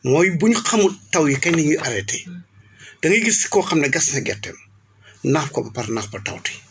mooy bu ñu xamul taw yi kañ la ñuy arrêté da ngay gis koo xam ne gas na gerteem naax ko par naax ko tawte